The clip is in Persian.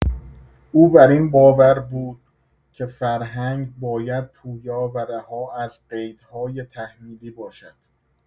او بر این باور بود که فرهنگ باید پویا و رها از قیدهای تحمیلی باشد.